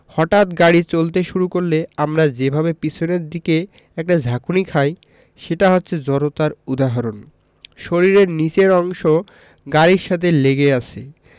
হঠাৎ গাড়ি চলতে শুরু করলে আমরা যেভাবে পেছনের দিকে একটা ঝাঁকুনি খাই সেটা হচ্ছে জড়তার উদাহরণ শরীরের নিচের অংশ গাড়ির সাথে লেগে আছে